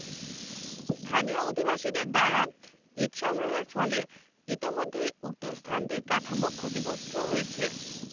স্থানীয় অধিবাসীদের দ্বারা ইট সংগ্রহের ফলে ইতোমধ্যেই উক্ত স্থাপনাটির কাঠামো ক্ষতিগ্রস্ত হয়েছে